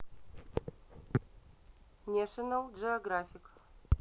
нешенал джеографик